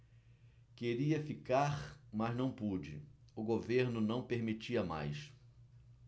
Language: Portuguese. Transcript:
queria ficar mas não pude o governo não permitia mais